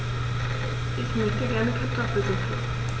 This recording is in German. Ich möchte gerne Kartoffelsuppe.